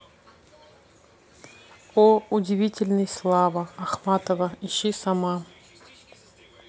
о удивительный слава ахматова ищи сама